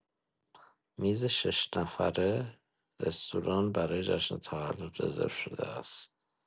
میز شش‌نفره رستوران برای جشن تولد رزرو شده است.